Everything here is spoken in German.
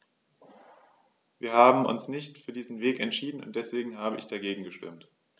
Wir haben uns nicht für diesen Weg entschieden, und deswegen habe ich dagegen gestimmt.